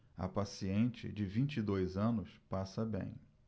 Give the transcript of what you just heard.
a paciente de vinte e dois anos passa bem